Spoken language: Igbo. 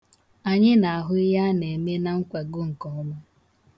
Anyị na-ahụ ihe a na-eme na nkwago nke ọma.